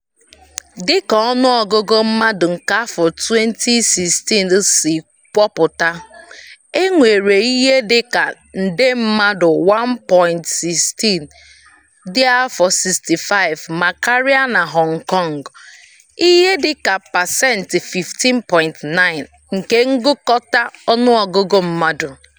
Dịka ọnụọgụgụ mmadụ nke afọ 2016 si kọwapụta, e nwere ihe dị ka nde mmadụ 1.16 dị afọ 65 ma karịa na Hong Kong—ihe dị ka pasentị 15.9 nke ngụkọta ọnụọgụgụ mmadụ.